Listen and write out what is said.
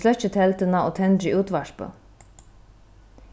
eg sløkki telduna og tendri útvarpið